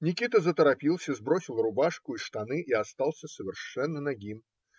Никита заторопился, сбросил рубашку и штаны и остался совершенно нагим.